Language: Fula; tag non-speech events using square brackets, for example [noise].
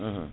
[hesitation] [hesitation]